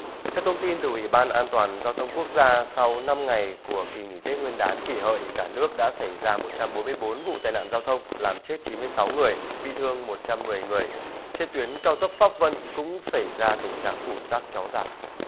theo thông tin từ ủy ban an toàn giao thông quốc gia sau năm ngày của kỳ nghỉ tết nguyên đán kỷ hợi cả nước đã xảy ra một trăm bốn mươi bốn vụ tai nạn giao thông làm chết chín mươi sáu người bị thương một trăm mười người trên tuyến cao tốc pháp vân cũng xảy ra tình trạng ùn tắc kéo dài